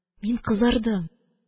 Мин кызардым...